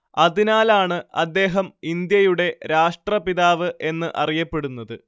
അതിനാലാണ് അദ്ദേഹം ഇന്ത്യയുടെ രാഷ്ട്രപിതാവ് എന്ന് അറിയപ്പെടുന്നത്